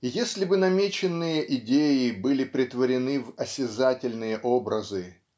И если бы намеченные идеи были претворены в осязательные образы